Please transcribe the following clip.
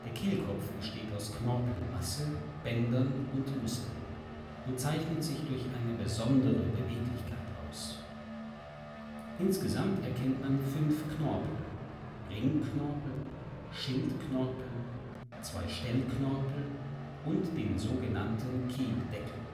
Kehlkopf besteht aus Knorpelmasse, Bändern und Muskeln und zeichnet sich durch eine besondere Beweglichkeit aus. Insgesamt erkennt man fünf Knorpel: Ringknorpel, Schildknorpel, zwei Stellknorpel und den so genannten Kehldeckel